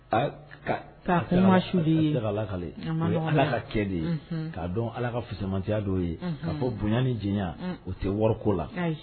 ' fɛnma su ye lalakale an ala ka kɛ de ye' dɔn ala ka kusɛmatiya dɔw ye ka ko bonya ni j o tɛ wari ko la